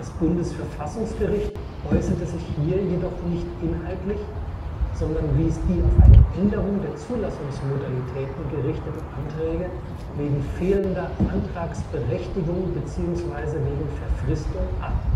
Bundesverfassungsgericht äußerte sich hier jedoch nicht inhaltlich, sondern wies die auf eine Änderung der Zulassungsmodalitäten gerichteten Anträge wegen fehlender Antragsberechtigung bzw. wegen Verfristung ab